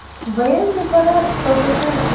военный парад в белгороде